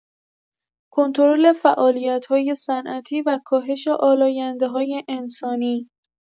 کنترل فعالیت‌های صنعتی و کاهش آلاینده‌های انسانی